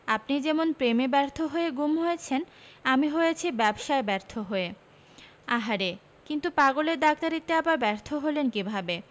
আপনি যেমন প্রেমে ব্যর্থ হয়ে গুম হয়েছেন আমি হয়েছি ব্যবসায় ব্যর্থ হয়ে আহা রে কিন্তু পাগলের ডাক্তারিতে আবার ব্যর্থ হলেন কীভাবে